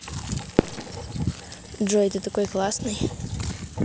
джой ты такой классный